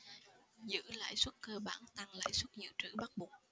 giữ lãi suất cơ bản tăng lãi suất dự trữ bắt buộc